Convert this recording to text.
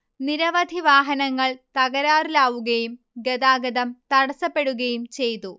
നിരവധി വാഹനങ്ങൾ തകരാറിലാവുകയും ഗതാഗതം തടസപ്പെടുകയും ചെയ്തു